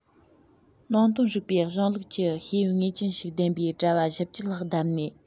ནང དོན རིག པའི གཞུང ལུགས ཀྱི ཤེས ཡོན ངེས ཅན ཞིག ལྡན པའི གྲྭ བ བཞི བཅུ ལྷག བདམས ནས